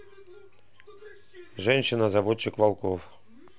женщина заводчик волков